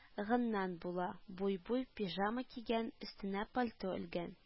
Гыннан була, буй-буй пижама кигән, өстенә пальто элгән